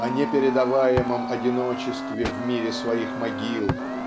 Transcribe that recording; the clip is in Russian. о непередаваемом одиночестве в мире своих могил